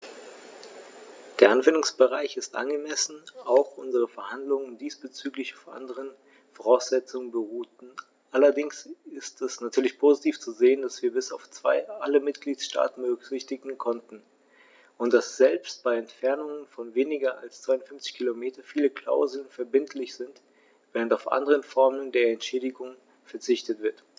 Der Anwendungsbereich ist angemessen, auch wenn unsere Verhandlungen diesbezüglich auf anderen Voraussetzungen beruhten, allerdings ist es natürlich positiv zu sehen, dass wir bis auf zwei alle Mitgliedstaaten berücksichtigen konnten, und dass selbst bei Entfernungen von weniger als 250 km viele Klauseln verbindlich sind, während auf andere Formen der Entschädigung verzichtet wird.